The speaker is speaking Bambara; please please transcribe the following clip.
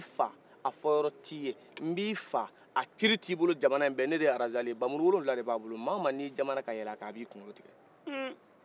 n b'i faa a fɔrɔ t'i ye n b'i faa a kiiri t'i bolo jamana nin bɛ ne de ye arazali bamuru wolowula de b'a bolo ma wo ma nin jamanan ka ɲɛlɛ a kan a b'i kunkolo tigɛ